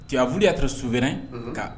Cɛfafuruya to sufɛrɛ ka